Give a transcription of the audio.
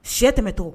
Shɛ tɛmɛnmɛ to